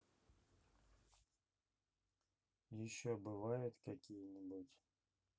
еще бывают какие нибудь